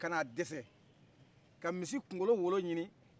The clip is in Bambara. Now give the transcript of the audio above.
kana dɛsɛ kana misi kunkolo wolo ɲini